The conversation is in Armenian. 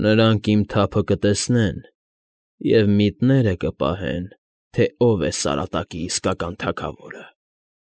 Նրանք իմ թափը կտեսնեն և միտքները կպահեն, թե ով է Սարատակի իսկական թագավորը։